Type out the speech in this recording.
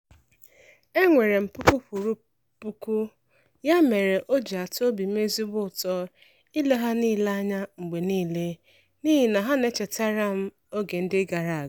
E nwere m puku kwuru puku ya mere o ji atọ obi m ezigbo ụtọ ile ha niile anya mgbe niile n'ihi na ha na-echetara m oge ndị gara aga.